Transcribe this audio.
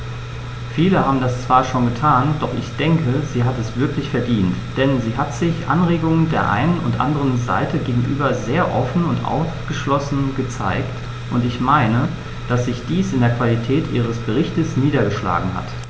Viele haben das zwar schon getan, doch ich denke, sie hat es wirklich verdient, denn sie hat sich Anregungen der einen und anderen Seite gegenüber sehr offen und aufgeschlossen gezeigt, und ich meine, dass sich dies in der Qualität ihres Berichts niedergeschlagen hat.